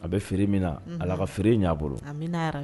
A bɛ feere min na a la ka feere ɲ bolo